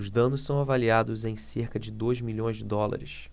os danos são avaliados em cerca de dois milhões de dólares